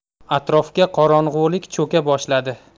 atrofga qorong'ilik cho'ka boshladi